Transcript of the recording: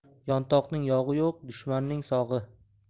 yantoqning yog'i yo'q dushmanning sog'i